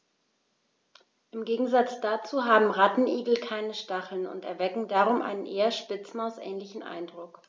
Im Gegensatz dazu haben Rattenigel keine Stacheln und erwecken darum einen eher Spitzmaus-ähnlichen Eindruck.